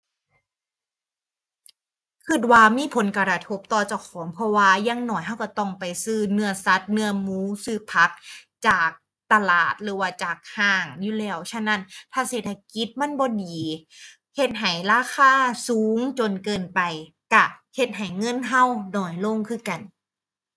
คิดว่ามีผลกระทบต่อเจ้าของ เพราะว่าอย่างน้อยคิดคิดต้องไปซื้อเนื้อสัตว์ เนื้อหมู ซื้อผักจากตลาดหรือว่าจากห้างอยู่แล้ว ฉะนั้นถ้าเศรษฐกิจมันบ่ดีเฮ็ดให้ราคาสูงจนเกินไปคิดเฮ็ดให้เงินคิดน้อยลงคือกัน